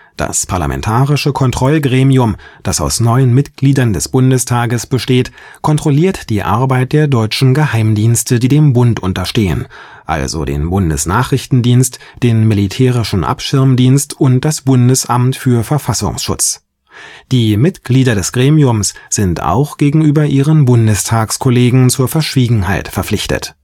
Das Parlamentarische Kontrollgremium, das aus neun Mitgliedern des Bundestages besteht, kontrolliert die Arbeit der deutschen Geheimdienste, die dem Bund unterstehen, also den Bundesnachrichtendienst, den Militärischen Abschirmdienst und das Bundesamt für Verfassungsschutz. Die Mitglieder des Gremiums sind auch gegenüber ihren Bundestagskollegen zur Verschwiegenheit verpflichtet